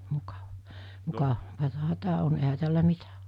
-- mukavaahan tämä on eihän tällä mitä ole